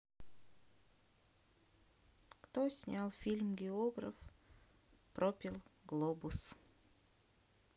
кто снял фильм географ пропил глобус